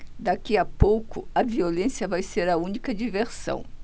daqui a pouco a violência vai ser a única diversão